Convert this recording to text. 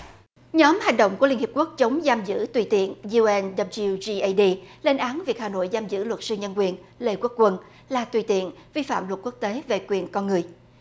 nhóm hành động của liên hiệp quốc chống giam giữ tùy tiện iu en đáp diu di ây đi lên án việc hà nội giam giữ luật sư nhân quyền lê quốc quân là tùy tiện vi phạm luật quốc tế về quyền con người